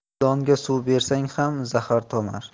ilonga suv bersang ham zahar tomar